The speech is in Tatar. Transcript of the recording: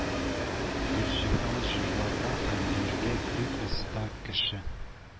Гөлҗиһан җырларга һәм биергә бик оста кеше.